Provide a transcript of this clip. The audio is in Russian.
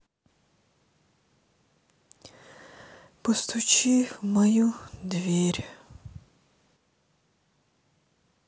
постучи в мою дверь